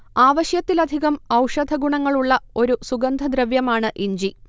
ആവശ്യത്തിലധികം ഔഷധഗുണങ്ങൾ ഉള്ള ഒരു സുഗന്ധദ്രവ്യമാണ് ഇഞ്ചി